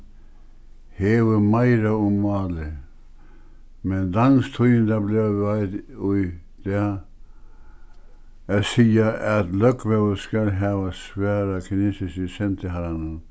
hevur meira um málið men danskt tíðindabræv veit í dag at siga at løgmaður skal hava svarað kinesiski sendiharranum